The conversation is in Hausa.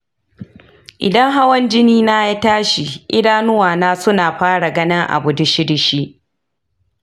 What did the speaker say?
idan hawan jinina ya tashi idanuwana suna fara ganin abu dishi dishi .